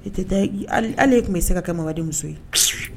E tɛ ale tun bɛ se ka kɛ mamaden muso ye